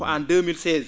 ko en 2016